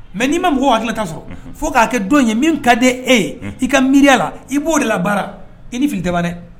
Mɛ n'i ma mɔgɔw ha tilalata sɔrɔ fo k'a kɛ don ye min ka di e ye i ka miiriya la i b'o de la baara i ni fili tɛba dɛ